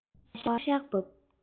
ཆར བ ཤག ཤག འབབ